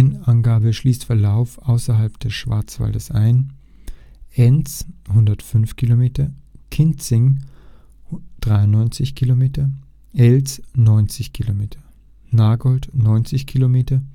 Längenangabe schließt Verlauf außerhalb des Schwarzwaldes ein): Enz (105 km) Kinzig (93 km) Elz (90 km) Nagold (90 km